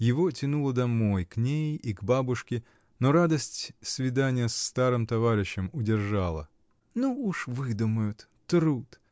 Его тянуло домой, к ней и к бабушке, но радость свидания с старым товарищем удержала. — Ну уж выдумают: труд!